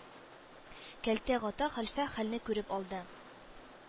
Кәлтә Гата хәлфә хәлне күреп алды.